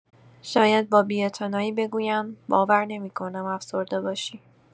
شاید با بی‌اعتنایی بگویند: باور نمی‌کنم افسرده باشی.